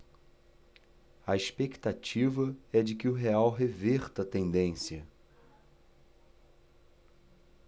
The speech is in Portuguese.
a expectativa é de que o real reverta a tendência